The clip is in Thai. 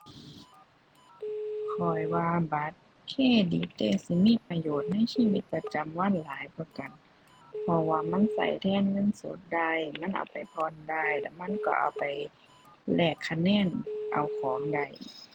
ข้อยว่าบัตรเครดิตเดะ สิมีประโยชน์ในชีวิตประจำวันหลายกว่ากัน เพราะว่ามันใช้แทนเงินสดได้ มันเอาไปผ่อนได้ แล้วมันใช้เอาไปแลกคะแนนเอาของได้